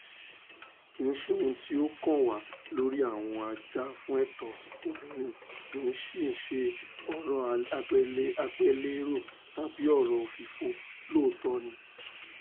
Kì í ṣe ohun tí ó kàn wá lórí àwọn ajàfúnẹ̀tọ́ obìnrin, kì í sì í ṣe ọ̀rọ̀ àgbélẹ̀rọ tàbí ọ̀rọ̀ òfìfo, LÓÒÓTỌ́ NI!